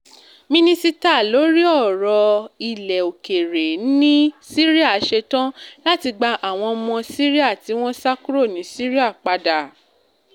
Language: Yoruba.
Mínísítà loŕi ọ̀rọ̀ ilẹ̀-òkèèrè ní Syria ‘setán’ láti gba àwọn ọmọ Syria tí wọ́n sá kúrò ní Syria padà